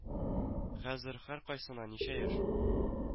Хәзер һәркайсына ничә яшь